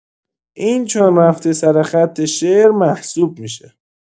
این چون رفته سر خط شعر محسوب می‌شه.